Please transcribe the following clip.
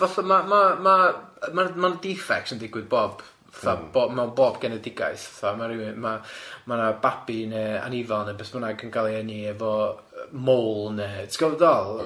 Fatha ma' ma' ma' ma' ma'n ma'n defects yn digwydd bob, fatha bo- mewn bob genedigaeth fatha ma' rywun ma' ma' na babi ne' anifail ne' beth bynnag yn ga'l ei eni efo yy mole ne' ti gwbod be' dwi feddwl?